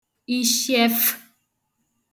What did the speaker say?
ishịefụ̄